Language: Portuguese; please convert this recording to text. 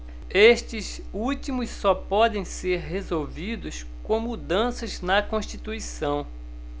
estes últimos só podem ser resolvidos com mudanças na constituição